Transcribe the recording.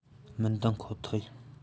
མི འདངས ཁོ ཐག ཡིན